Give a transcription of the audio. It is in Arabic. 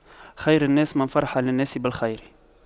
خير الناس من فرح للناس بالخير